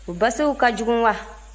o basiw ka jugu wa